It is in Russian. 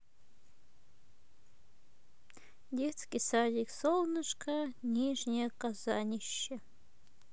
детский садик солнышко нижнее казанище